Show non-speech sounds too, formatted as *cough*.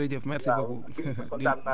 *breath* *hesitation* *hesitation* maa ngi lay fay Mbaye jërëjëf